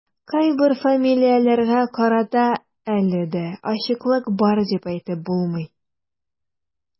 Кайбер фамилияләргә карата әле дә ачыклык бар дип әйтеп булмый.